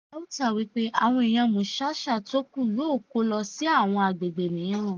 ètò DREAM náà kò dá lé ṣíṣe ìdámọ̀ àti ìrànlọ́wọ́ fún àwọn tí wọ́n ní àrùn KASA nìkan.